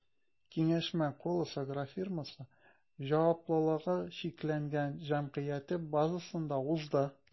Киңәшмә “Колос” агрофирмасы” ҖЧҖ базасында узды.